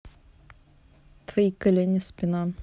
твои колени спина